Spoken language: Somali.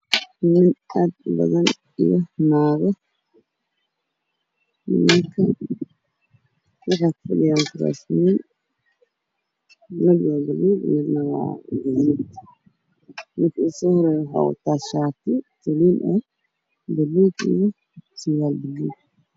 Niman aad ubadan io naago nimanka waxa ay fadhiyaan waxa uu wataa shaati io sarwaak